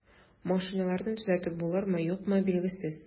Машиналарны төзәтеп булырмы, юкмы, билгесез.